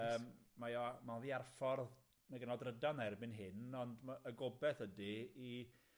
Yym, mae o, mae oddi ar ffordd, mae gyn o drydan 'na erbyn hyn, ond ma- y gobeth ydi i